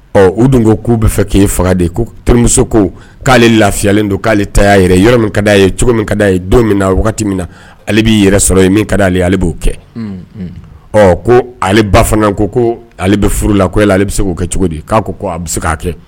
Ɔ u dun ko k'u bɛ fɛ k' ye faga de ye ko terimuso ko k'ale lafiyalen don k'ale ta'a yɛrɛ yɔrɔ min ka d'a ye cogo min ka'a ye don min na wagati min na ale b'i yɛrɛ sɔrɔ ye min ka d'ale ale b'o kɛ ɔ ko ale ba fana ko ko ale bɛ furu la ko e aleale bɛ se'o kɛ cogo di k'a ko a bɛ se k'a kɛ